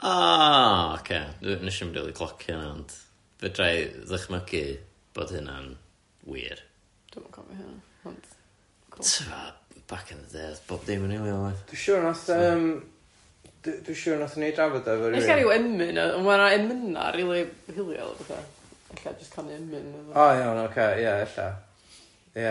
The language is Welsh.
O, ocê, nes i'm rili clocio hynna ond fedrai ddychmygu bod hynna'n wir. Dwi'm yn cofio hynna ond cŵl... Ti'bod back in the day o'dd bob dim yn hiliol oedd? Dwi'n siŵr 'nath yym d- dwi siŵr 'nathon ni drafod o efo rywun... Ella ryw emyn yy ond ma' yna emyna rili hiliol a petha ella jyst canu emyn oeddan nhw... O iawn ok ia ella ia.